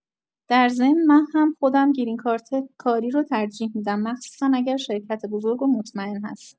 در ضمن من هم خودم گرین کارت کاری رو ترجیح می‌دم مخصوصا اگر شرکت بزرگ و مطمئن هست.